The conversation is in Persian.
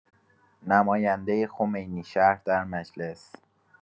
نماینده خمینی‌شهر در مجلس